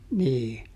niin